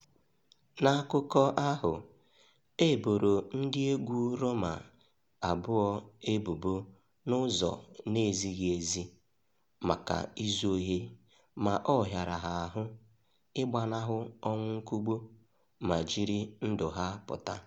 N'akụkọ ahụ, e boro ndị egwu Roma abụọ ebubo n'ụzọ na-ezighị ezi maka izu ohi ma ọ hịara ha ahụ ịgbanaghụ ọnwụ nkugbu ma jiri ndụ ha pụta.